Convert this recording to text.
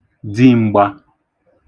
dim̄gbā